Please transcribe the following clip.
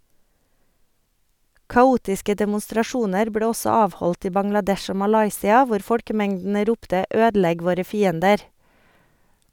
Kaotiske demonstrasjoner ble også avholdt i Bangladesh og Malaysia, hvor folkemengdene ropte «ødelegg våre fiender!»